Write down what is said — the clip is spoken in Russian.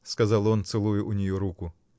— сказал он, целуя у нее руку.